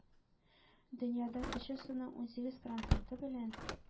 Дөньяда төче суның унсигез проценты белән